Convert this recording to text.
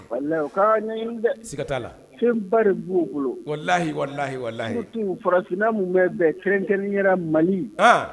Yi o' ɲɛ dɛ siga ta la fɛnba de b'o bolo wala lahi lahi lahi tu farafinina minnu bɛ bɛn kɛrɛnkɛ yɛrɛ mali